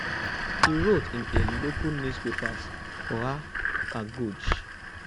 He wrote in a local newspaper Bhorer Kagoj: